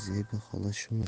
zebi xola shumi